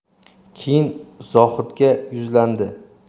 keyin zohidga yuzlandi